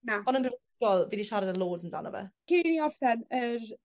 Na. On' yn yr ysgol fi 'di siarad yn loads amdano fe. Cyn i ni orffen yr